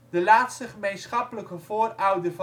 de laatste gemeenschappelijke voorouder